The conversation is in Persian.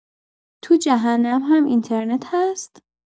تو جهنم هم اینترنت هست؟!